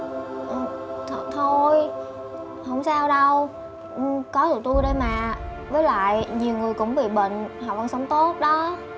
ừ thôi không sao đâu có tụi tôi đây mà với lại nhiều người cũng bị bệnh họ vẫn sống tốt đó